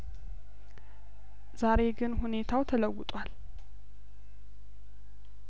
ዛሬ ግን ሁኔታው ተለውጧል